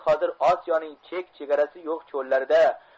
hozir osiyoning chek chegarasi yo'k cho'llarida